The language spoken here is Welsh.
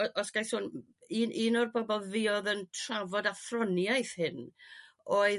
O- os ga' i son un un o'r bobl fuodd yn trafod athroniaeth hyn oedd